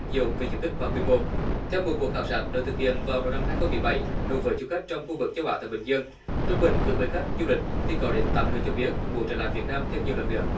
nhiều về diện tích và quy mô theo một cuộc khảo sát được thực hiện vào đầu năm hai không mười bảy đối với du khách trong khu vực châu á thái bình dương trung bình cứ mười khách du lịch thì có đến tám người cho biết muốn trở lại việt nam thêm nhiều lần nữa